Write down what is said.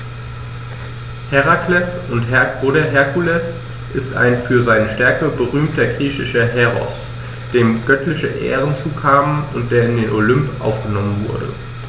Herakles oder Herkules ist ein für seine Stärke berühmter griechischer Heros, dem göttliche Ehren zukamen und der in den Olymp aufgenommen wurde.